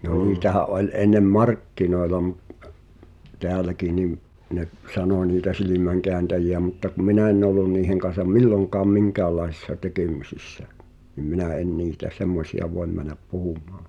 no niitähän oli ennen markkinoilla - täälläkin niin ne sanoi niitä silmänkääntäjiä mutta kun minä en ollut niiden kanssa milloinkaan minkäänlaisissa tekemisissä niin minä en niitä semmoisia voi mennä puhumaan